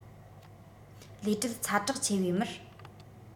ལས བྲེལ ཚ དྲག ཆེ བའི མིར